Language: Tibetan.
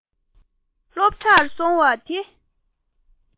སློབ གྲྭར སོང བ དེ